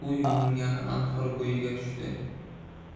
u yuvingani anhor bo'yiga tushdi